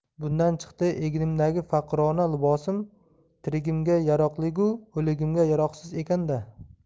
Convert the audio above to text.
bundan chiqdi egnimdagi faqirona libosim tirigimga yaroqligu o'ligimga yaroqsiz ekan da